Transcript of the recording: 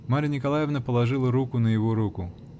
Марья Николаевна положила руку на его руку.